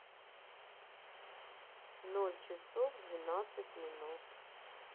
ноль часов двенадцать минут